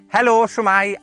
Helo, shwmae?